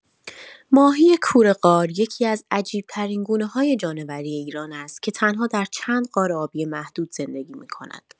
ماهی کور غار یکی‌از عجیب‌ترین گونه‌های جانوری ایران است که تنها در چند غار آبی محدود زندگی می‌کند.